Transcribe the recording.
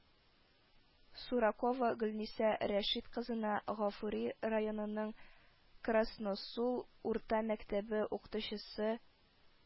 СУРАКОВА Гөлниса Рәшит кызына, Гафури районының Красноусол урта мәктәбе укытучысы